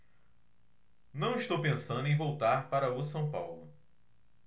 não estou pensando em voltar para o são paulo